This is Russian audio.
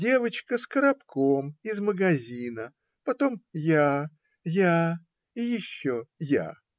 девочка с коробком из магазина, потом я, я и еще я.